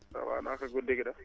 ça va naka guddi gi nag